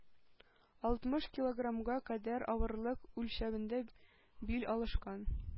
Алтмыш килограммга кадәрге авырлык үлчәвендә бил алышкан